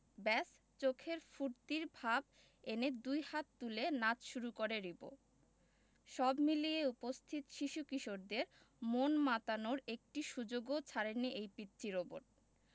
ব্যাস চোখে ফূর্তির ভাব এনে দুই হাত তুলে নাচ শুরু করে রিবো সব মিলিয়ে উপস্থিত শিশুকিশোরদের মন মাতানোর একটি সুযোগও ছাড়েনি এই পিচ্চি রোবট